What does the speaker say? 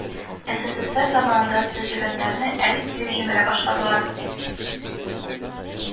Эсэсэсэр заманыда төзелгәннәрне әле килеп җимерә башладылар